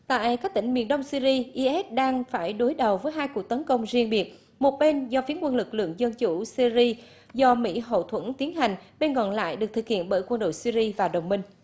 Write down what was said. tại các tỉnh miền đông si ri i ét đang phải đối đầu với hai cuộc tấn công riêng biệt một bên do phiến quân lực lượng dân chủ si ri do mỹ hậu thuẫn tiến hành bên còn lại được thực hiện bởi quân đội si ri và đồng minh